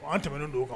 Wa an tɛmɛnen don kan